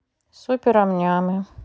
супер амнямы